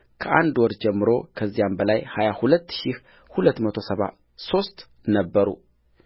ከአንድ ወር ጀምሮ ከዚያም በላይ ሀያ ሁለት ሺህ ሁለት መቶ ሰባ ሦስት ነበሩ